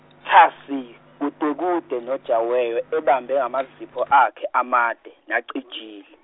thasi kudekude noJawewe- ebambe ngamazipho akhe amade nacijile.